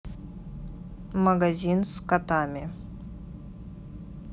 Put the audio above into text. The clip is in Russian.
магазин с котами